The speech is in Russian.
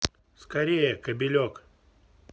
скорее кобелек